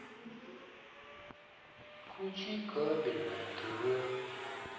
включи кабельное тв